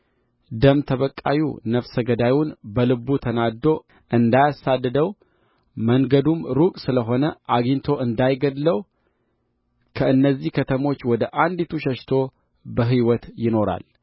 ደም ተበቃዩ ነፍሰ ገዳዩን በልቡ ተናድዶ እንዳያሳድደው መንገዱም ሩቅ ስለ ሆነ አግኝቶ እንዳይገድለው ከእነዚህ ከተሞች ወደ አንዲቱ ሸሽቶ በሕይወት ይኖራል